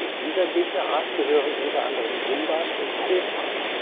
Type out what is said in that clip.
dieser Gegnerart gehören unter anderem Gumbas und Koopas